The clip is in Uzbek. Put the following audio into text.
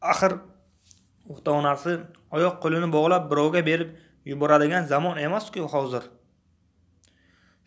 axir ota onasi oyoq qo'lini bog'lab birovga berib yuboradigan zamon emas ku hozir